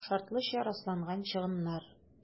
«шартлыча расланган чыгымнар»